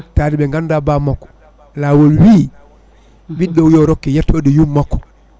taade ɓe ganda bammakko laawol wii ɓiɗɗo yo rokke yettode yummako